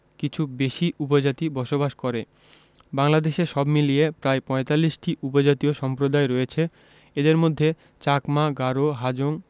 কিছু বেশি উপজাতি বসবাস করে বাংলাদেশে সব মিলিয়ে প্রায় ৪৫টি উপজাতীয় সম্প্রদায় রয়েছে এদের মধ্যে চাকমা গারো হাজং খাসিয়া মগ